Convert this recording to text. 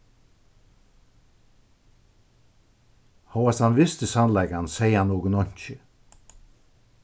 hóast hann visti sannleikan segði hann okum einki